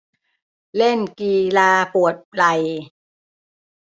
เล่นกีฬาปวดไหล่